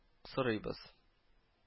Сорыйбыз